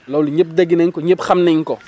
loolu ñëpp dégg nañ ko ñëpp xam nañ ko